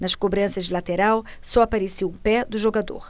nas cobranças de lateral só aparecia o pé do jogador